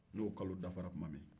n'o kalo dafara tuma min